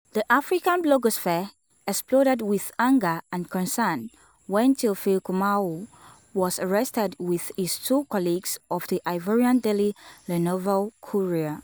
The African blogosphere exploded with anger and concern when Théophile Kouamouo was arrested with his two colleagues of the Ivorian Daily Le Nouveau Courrier.